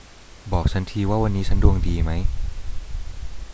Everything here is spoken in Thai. บอกฉันทีว่าวันนี้ฉันดวงดีมั้ย